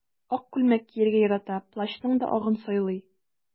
Ак күлмәк кияргә ярата, плащның да агын сайлый.